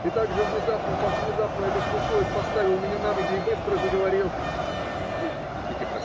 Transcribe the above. И так же внезапно, как внезапно это случилось, поставил меня на ноги и быстро заговорил - Ну, идите, идите